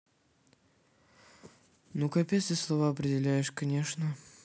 ну капец ты слова определяешь конечно